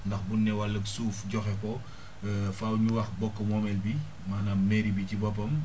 ndax buñ ne wàllu suuf joxe ko faaw ñu wax bokk moomeel bi maanaam mairie bi ci boppam